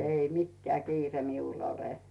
ei mikään kiire minulla ole